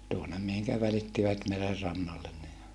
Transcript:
tuonne mihin välittivät meren rannalle ne